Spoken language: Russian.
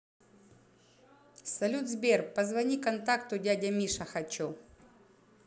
салют сбер позвони контакту дядя миша хочу